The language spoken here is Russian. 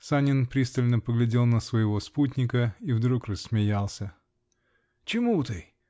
Санин пристально поглядел на своего спутника -- и вдруг рассмеялся. -- Чему ты?